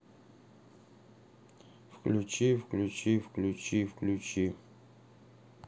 включи включи включи включи